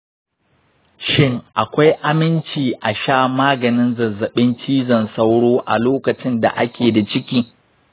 shin akwai aminci a sha maganin zazzabin cizon sauro a lokacin da ake da ciki?